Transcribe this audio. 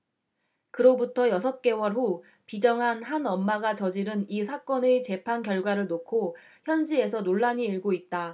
그로부터 여섯 개월 후 비정한 한 엄마가 저지른 이 사건의 재판 결과를 놓고 현지에서 논란이 일고있다